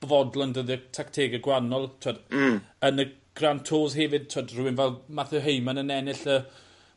fodlon defnyddio tactege gwanol t'wod... Hmm. ...yn y Gran' Tours hefyd t'wod rywun fel Mathew Hayman yn ennill y